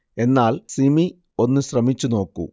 എന്നാൽ സിമി ഒന്നു ശ്രമിച്ചു നോക്കൂ